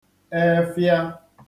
ẹfhịa